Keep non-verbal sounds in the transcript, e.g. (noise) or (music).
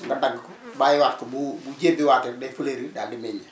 nga dagg ko (noise) bàyyiwaat ko bu bu jébbiwaatee day fleurir daal di meññ